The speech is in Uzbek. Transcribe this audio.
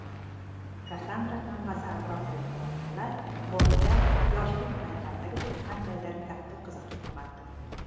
kassandra tamg'asi atrofidagi voqealar borkda yoshlik paytlaridagidek qandaydir katta qiziqish uyg'otdi